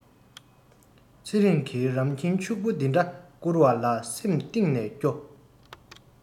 ཚེ རིང གི རང ཁྱིམ ཕྱུག པོ འདི འདྲ བསྐུར བ ལ སེམས གཏིང ནས སྐྱོ